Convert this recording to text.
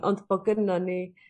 ...ond bo' gynnan ni